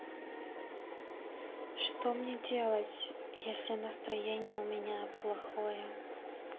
что мне делать если настроение у меня плохое